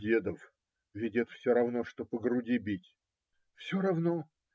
- Дедов, ведь это все равно, что по груди бить! - Все равно.